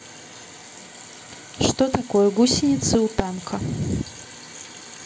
что такое гусеницы у танка